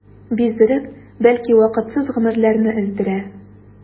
Биздереп, бәлки вакытсыз гомерләрне өздерә.